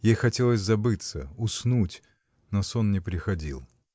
Ей хотелось забыться, уснуть, но сон не приходил.